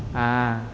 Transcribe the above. à